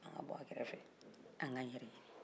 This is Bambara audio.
an ka bɔ a kɛrɛfɛ an k'an yɛrɛ ɲini